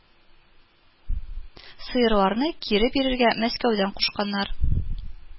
Сыерларны кире бирергә Мәскәүдән кушканнар